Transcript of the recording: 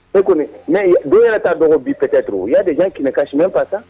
E kɔni ne dɔw y'a ta dɔgɔ bi peut être il y a des gens qui ne cachent même pas ça